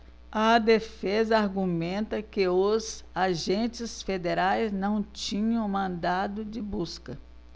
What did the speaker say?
a defesa argumenta que os agentes federais não tinham mandado de busca